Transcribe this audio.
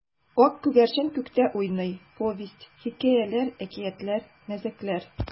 Ак күгәрчен күктә уйный: повесть, хикәяләр, әкиятләр, мәзәкләр.